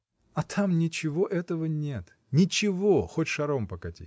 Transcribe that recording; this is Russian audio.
А там ничего этого нет, ничего, хоть шаром покати!